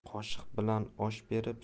qoshiq bilan osh berib